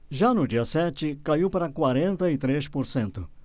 já no dia sete caiu para quarenta e três por cento